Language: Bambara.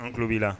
Tulo b'i